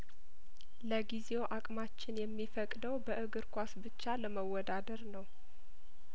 ለጊዜው አቅማችን የሚፈቅደው በእግር ኳስ ብቻ ለመወዳደር ነው